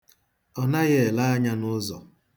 Ọ naghị ele anya n'ụzọ.